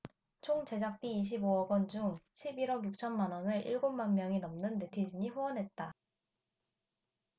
총 제작비 이십 오 억원 중 십 일 억 육천 만원을 일곱 만명이 넘는 네티즌이 후원했다